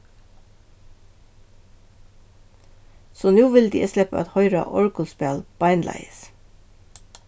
so nú vildi eg sleppa at hoyra orgulspæl beinleiðis